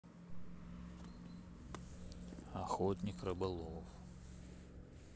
охотник рыболов